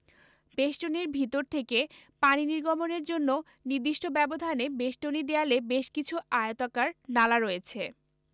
বেষ্টনীর ভিতর থেকে পানি নির্গমনের জন্য নির্দিষ্ট ব্যবধানে বেষ্টনী দেয়ালে বেশ কিছু আয়তাকার নালা রয়েছে